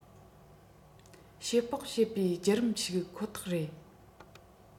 དཔྱད དཔོག བྱེད པའི བརྒྱུད རིམ ཞིག ཁོ ཐག རེད